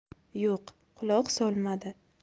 yo'q quloq solmadi